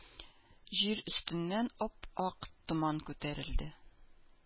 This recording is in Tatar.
Җир өстеннән ап-ак томан күтәрелде.